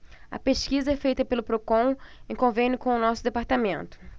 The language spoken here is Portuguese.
a pesquisa é feita pelo procon em convênio com o diese